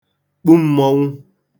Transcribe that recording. kpù m̄mọ̄nwụ̄